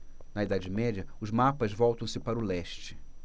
na idade média os mapas voltam-se para o leste